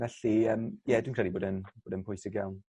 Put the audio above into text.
felly yym ie dwi'n credu bod en bod e'n pwysig iawn.